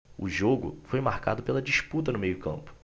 o jogo foi marcado pela disputa no meio campo